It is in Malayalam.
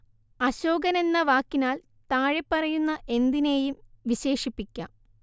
അശോകൻ എന്ന വാക്കിനാൽ താഴെപ്പറയുന്ന എന്തിനേയും വിശേഷിപ്പിക്കാം